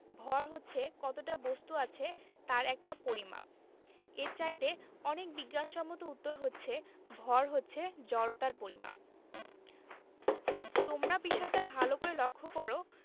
ভর হচ্ছে কতটা বস্তু আছে তার একটা পরিমাপ এর চাইতে অনেক বিজ্ঞানসম্মত উত্তর হচ্ছে ভর হচ্ছে জড়তার পরিমাপ তোমরা বিষয়টা ভালো করে লক্ষ করো